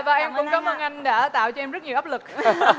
và em cũng cám ơn anh đã tạo cho em rất nhiều áp lực